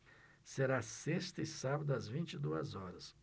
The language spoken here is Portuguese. será sexta e sábado às vinte e duas horas